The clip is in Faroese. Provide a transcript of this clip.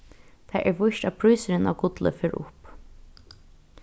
tað er víst at prísurin á gulli fer upp